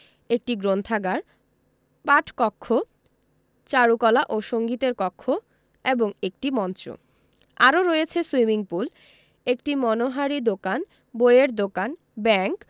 একটি গ্রন্থাগার পাঠকক্ষ চারুকলা ও সঙ্গীতের কক্ষ এবং একটি মঞ্চ আরও রয়েছে সুইমিং পুল একটি মনোহারী দোকান বইয়ের দোকান ব্যাংক